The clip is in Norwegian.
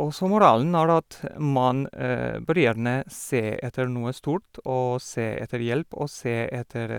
Og så, moralen er at man bør gjerne se etter noe stort og se etter hjelp og se etter